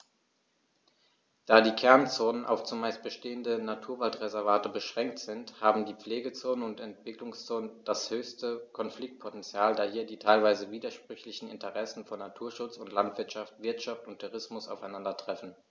Da die Kernzonen auf – zumeist bestehende – Naturwaldreservate beschränkt sind, haben die Pflegezonen und Entwicklungszonen das höchste Konfliktpotential, da hier die teilweise widersprüchlichen Interessen von Naturschutz und Landwirtschaft, Wirtschaft und Tourismus aufeinandertreffen.